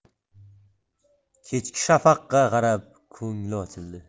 kechki shafaqqa qarab ko'ngli ochildi